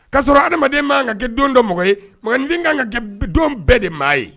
Ka sɔrɔ adamadamaden man kan ka kɛ don dɔ mɔgɔ ye, manifin ka kan ka kɛ don bɛɛ de maa ye.